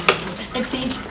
em xin